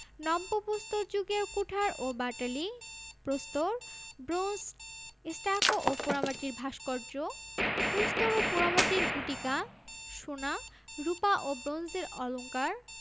নব্যপ্রস্তরযুগীয় কুঠার ও বাটালি প্রস্তর ব্রোঞ্জ স্টাকো ও পোড়ামাটির ভাস্কর্য প্রস্তর ও পোড়ামাটির গুটিকা সোনা রূপা ও ব্রোঞ্জের অলঙ্কার